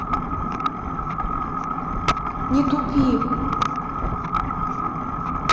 не тупи